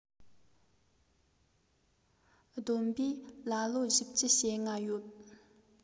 བསྡོམས པས ལ ལོ བཞི བཅུ ཞེ ལྔ ཡོད